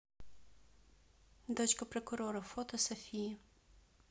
дочка прокурора фото софии